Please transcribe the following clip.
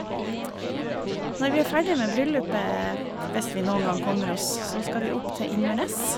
Når vi er ferdig med bryllupet, hvis vi noen gang kommer oss, så skal vi opp til Inverness.